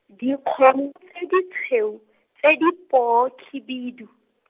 Dikgomo , tse ditshweu tse di poo khibidu .